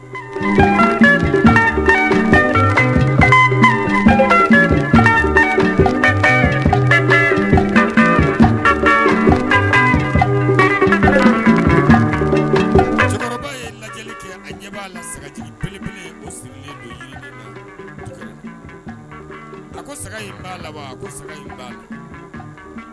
Cɛkɔrɔba a b'a jatigi segin laban a saga laban laban